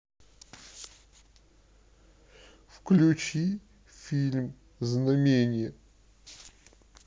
включи фильм знамение